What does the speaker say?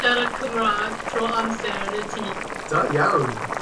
...siarad Cymrag trw amser yn y tŷ. Da iawn!